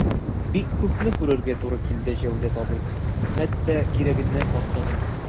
Бик күпне күрергә туры килде, Җәүдәт абый, хәтта кирәгеннән артыгын...